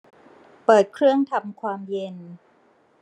เปิดเครื่องทำความเย็น